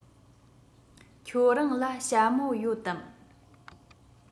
ཁྱོད རང ལ ཞྭ མོ ཡོད དམ